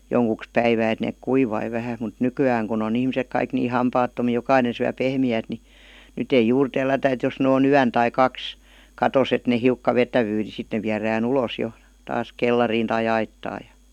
joksikin päivää että ne kuivui vähän mutta nykyään kun on ihmiset kaikki niin hampaattomia jokainen syö pehmeää niin nyt ei juuri tellätä että jos nyt on yön tai kaksi katossa että ne hiukka vetäytyy niin sitten ne viedään ulos jo taas kellariin tai aittaan ja